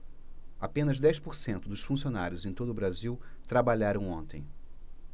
apenas dez por cento dos funcionários em todo brasil trabalharam ontem